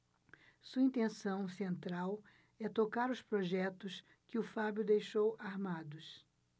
sua intenção central é tocar os projetos que o fábio deixou armados